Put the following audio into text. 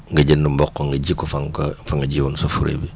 nga jënd mboq nga ji ko fa nga ko fa nga ji woon sa fure bi